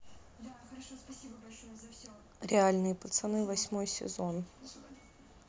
реальные пацаны восьмой сезон